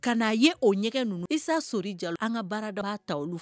Ka' a ye o ɲɛgɛn ninnu isaa so ja an ka baara dɔ'a ta olu fɛ